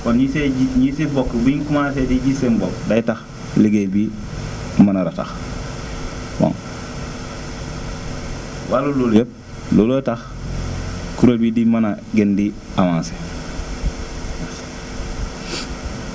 kon ñi see ñi si bokk bu ñu commencé di gis seen bopp day tax liggéey bi mën a ratax wàllu loolu yëpp looloo tax kuréel bi di mën a gën di avancé